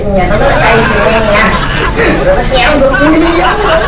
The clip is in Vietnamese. tại vì nhà tao có xà ngang vậy nè rồi tao treo ngược người như dơi tao ngủ